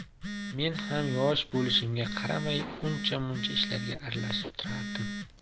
men ham yosh bo'lishimga qaramay uncha muncha ishlarga aralashib turardim